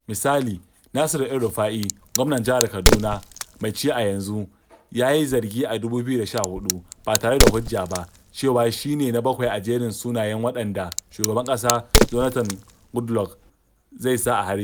Misali, Nasir El-Rufa'i, gwamnan jihar Kaduna mai ci a yanzu ya yi zargi a 2014 - ba tare da hujja ba - cewa shi ne "na 7 a jerin sunayen waɗanda [shugaban ƙasa Jonathan Goodluck] zai sa a harbe.